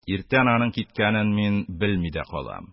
Иртән аның киткәнен мин белми дә калам.